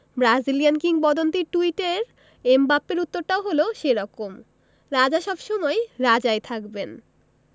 Brazilian কিংবদন্তির টুইটের এমবাপ্পের উত্তরটাও হলো সে রকম রাজা সব সময় রাজাই থাকবেন